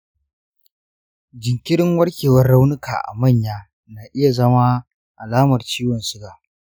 jinkirin warkewar raunuka a manya na iya zama alamar ciwon suga.